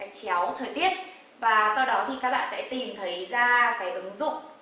gạch chéo thời tiết và sau thì các bạn sẽ tìm thấy ra cái ứng dụng